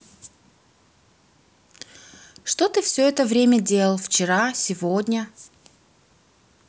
что ты все это время делал вчера сегодня